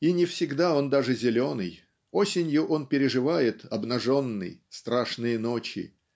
И не всегда он даже зеленый осенью он переживает обнаженный страшные ночи